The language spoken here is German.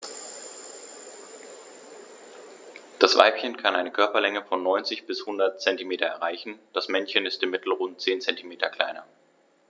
Das Weibchen kann eine Körperlänge von 90-100 cm erreichen; das Männchen ist im Mittel rund 10 cm kleiner.